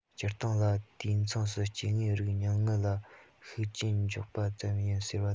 སྤྱིར བཏང ལ དུས མཚུངས སུ སྐྱེ དངོས རིགས ཉུང ངུ ལ ཤུགས རྐྱེན འཇོག པ ཙམ ཡིན ཟེར བ དེའོ